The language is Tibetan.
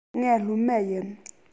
ང སློབ མ ཡིན